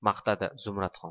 maqtadi zumradxon